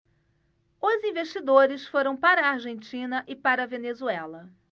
os investidores foram para a argentina e para a venezuela